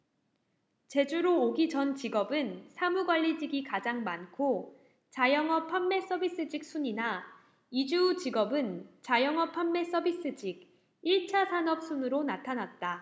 제주로 오기 전 직업은 사무 관리직이 가장 많고 자영업 판매 서비스직 순이나 이주 후 직업은 자영업 판매 서비스직 일 차 산업 순으로 나타났다